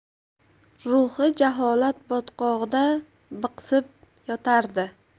ruhi jaholat botqog'ida biqsib yotardi